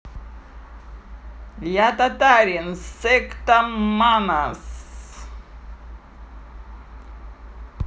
я татарин секта манас